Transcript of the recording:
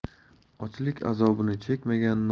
ochlik azobini chekmagan